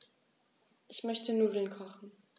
Ich möchte Nudeln kochen.